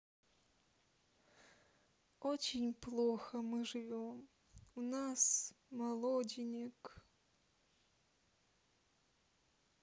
очень плохо мы живем у нас молоденек